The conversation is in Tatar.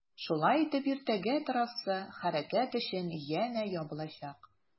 Шулай итеп иртәгә трасса хәрәкәт өчен янә ябылачак.